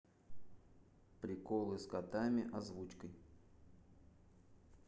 приколы с котами озвучкой